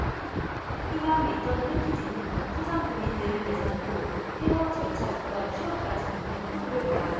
희망리턴패키지는 소상공인들을 대상으로 폐업 절차부터 취업까지 돕는 프로그램이다